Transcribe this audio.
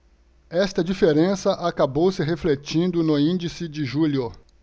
esta diferença acabou se refletindo no índice de julho